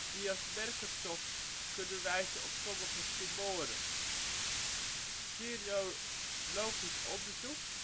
die als merkerstof kunnen wijzen op sommige tumoren serologisch onderzoek